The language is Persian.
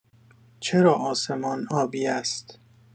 چرا آسمان آبی است؟